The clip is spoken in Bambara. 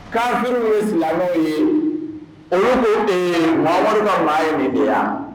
'urun ye silamɛw ye o ma den den ye mɔgɔ wari maa ye nin yan